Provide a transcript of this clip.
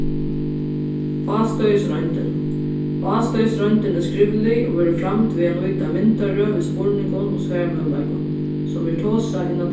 ástøðisroyndin ástøðisroyndin er skrivlig og verður framd við at nýta myndarøð við spurningum og svarmøguleikum sum er tosað inn á